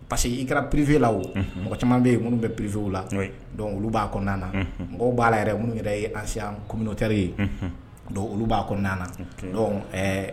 Pas ke i kɛra pirivela o mɔgɔ caman bɛ ye minnu bɛpirivew la dɔnk olu b'a kɔnɔna na mɔgɔw b'a la yɛrɛ minnu yɛrɛ ye ansɛɲan kominotɛriw ye donku olu b'a kɔnɔnaana dɔnku